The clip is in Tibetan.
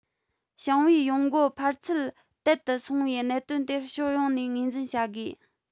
ཞིང པའི ཡོང སྒོ འཕར ཚུལ དལ དུ སོང བའི གནད དོན དེར ཕྱོགས ཡོངས ནས ངོས འཛིན བྱ དགོས